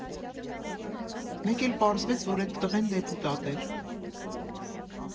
Մեկ էլ պարզվեց, որ էդ տղեն դեպուտատ էր։